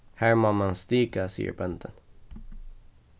har má mann stika sigur bóndin